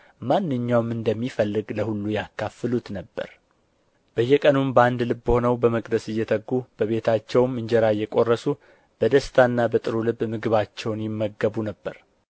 ማንኛውም እንደሚፈልግ ለሁሉ ያካፍሉት ነበር በየቀኑም በአንድ ልብ ሆነው በመቅደስ እየተጉ በቤታቸውም እንጀራ እየቈረሱ በደስታና በጥሩ ልብ ምግባቸውን ይመገቡ ነበር